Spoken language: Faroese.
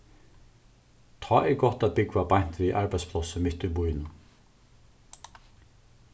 tá er gott at búgva beint við arbeiðsplássið mitt í býnum